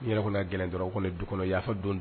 I yɛrɛ kɔni gɛlɛn dɔrɔn o kɔnɔ ne du kɔnɔ y'a fɔ don